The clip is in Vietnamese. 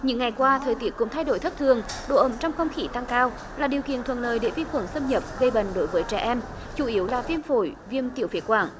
những ngày qua thời tiết cũng thay đổi thất thường độ ẩm trong không khí tăng cao là điều kiện thuận lợi để vi khuẩn xâm nhập gây bệnh đối với trẻ em chủ yếu là viêm phổi viêm tiểu phế quản